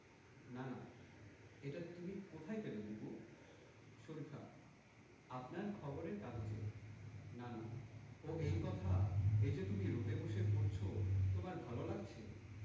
নানা এটা তুমি কোথায় পেলে বুবু শরিফা আপনার খবরের কাগজে নানা ও এই কথা এই যে তুমি রোদে বসে পড়ছ তোমার ভালো লাগছে